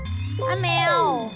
anh mèo